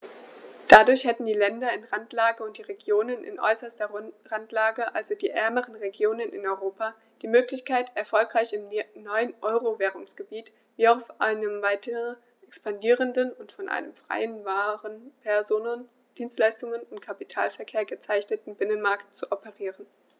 Dadurch hätten die Länder in Randlage und die Regionen in äußerster Randlage, also die ärmeren Regionen in Europa, die Möglichkeit, erfolgreich im neuen Euro-Währungsgebiet wie auch auf einem weiter expandierenden und von einem freien Waren-, Personen-, Dienstleistungs- und Kapitalverkehr gekennzeichneten Binnenmarkt zu operieren.